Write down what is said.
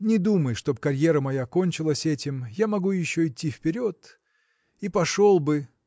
Не думай, чтоб карьера моя кончилась этим: я могу еще идти вперед. и пошел бы.